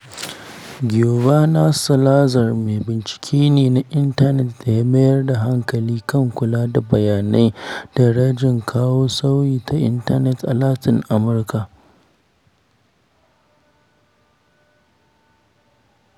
Giovanna Salazar mai bincike ne na intanet da ya mayar da hankali a kan kula da bayanai da rajin kawo sauyi ta intanet a Latin Amurka.